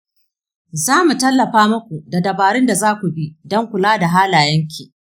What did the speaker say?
za mu tallafa muku da dabarun da za ku bi don kula da halayenki.